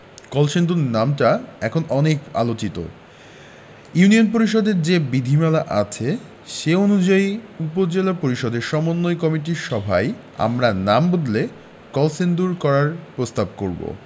কলসিন্দুর নামটা এখন অনেক আলোচিত ইউনিয়ন পরিষদের যে বিধিমালা আছে সে অনুযায়ী উপজেলা পরিষদের সমন্বয় কমিটির সভায় আমরা নাম বদলে কলসিন্দুর করার প্রস্তাব করব